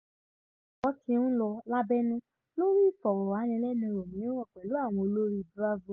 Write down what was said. Ọ̀rọ̀ ti ń lọ lábẹ́nú lórí ìfọ̀rọ̀wánilẹ́nuwò mìíràn pẹ̀lú àwọn olórí BRAVO!